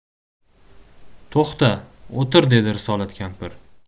to'xta o'tir dedi risolat kampir